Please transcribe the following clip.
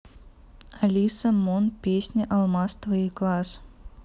алиса мон песня алмаз твоих глаз